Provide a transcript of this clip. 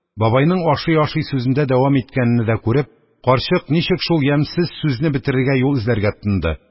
Бабайның ашый-ашый сүзендә дәвам иткәнене дә күреп, карчык ничек шул ямьсез сүзне бетерергә юл эзләргә тотынды.